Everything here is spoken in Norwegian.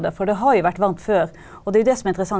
for det har jo vært varmt før, og det er jo det som er interessant.